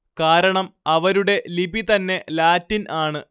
കാരണം അവരുടെ ലിപി തന്നെ ലാറ്റിൻ ആണ്